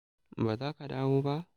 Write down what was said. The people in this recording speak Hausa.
Ba za ka dawo ba!